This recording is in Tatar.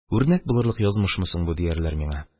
. үрнәк булырлык язмышмы соң бу, диярләр миңа.